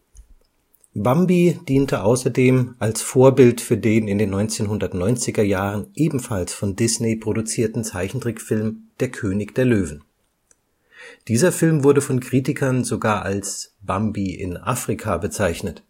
Bambi diente außerdem als Vorbild für den in den 1990er Jahren ebenfalls von Disney produzierten Zeichentrickfilm Der König der Löwen. Dieser Film wurde von Kritikern sogar als „ Bambi in Afrika “bezeichnet